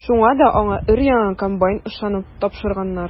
Шуңа да аңа өр-яңа комбайн ышанып тапшырганнар.